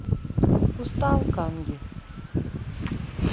устал канги